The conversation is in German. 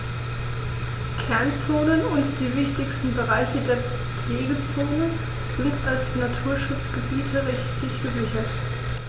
Kernzonen und die wichtigsten Bereiche der Pflegezone sind als Naturschutzgebiete rechtlich gesichert.